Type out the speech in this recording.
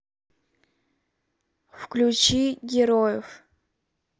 включи героев